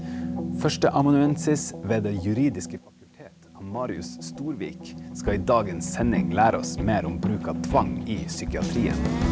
førsteamanuensis ved Det juridiske fakultet, han Marius Storvik, skal i dagens sending lære oss mer om bruk av tvang i psykiatrien.